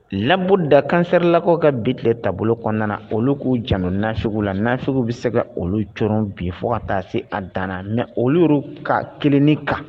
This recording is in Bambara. Labɔ da kansɛri lakɔ ka bi tilen taabolo kɔnɔna na olu k'u jan nasougu la na sugu bɛ se ka olu jɔyɔrɔ bi fɔ ka taa se a dan mɛ olu ka kelenini kan